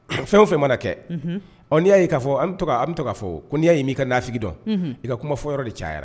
Fɛn o fɛn mana kɛ n' y'a ye' fɔ an bɛ kaa fɔ ko ni y'a y'i ka nafi dɔn i ka kumafɔ yɔrɔ de cayayara